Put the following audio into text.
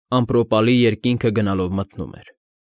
Ամպրոպի երկինքը գնալով մթնում էր։